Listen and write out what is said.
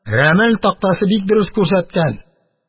Рәмел тактасы бик дөрес күрсәткән.